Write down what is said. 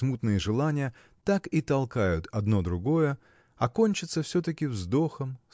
смутные желания – так и толкают одно другое а кончится все-таки вздохом